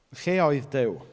Lle oedd Duw?